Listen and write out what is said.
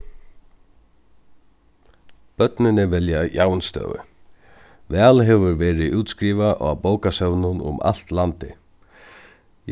børnini velja javnstøðu val hevur verið útskrivað á bókasøvnum um alt landið